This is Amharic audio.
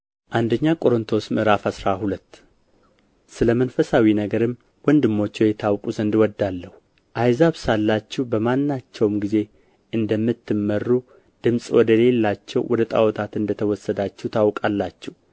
አንደኛ ቆሮንጦስ ምዕራፍ አስራ ሁለት ስለ መንፈሳዊ ነገርም ወንድሞች ሆይ ታውቁ ዘንድ እወዳለሁ አሕዛብ ሳላችሁ በማናቸውም ጊዜ እንደምትመሩ ድምፅ ወደሌላቸው ወደ ጣዖታት እንደ ተወሰዳችሁ ታውቃላችሁ